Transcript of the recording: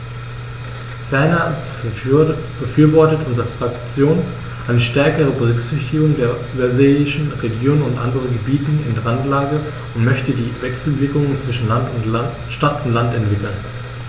Ferner befürwortet unsere Fraktion eine stärkere Berücksichtigung der überseeischen Regionen und anderen Gebieten in Randlage und möchte die Wechselwirkungen zwischen Stadt und Land entwickeln.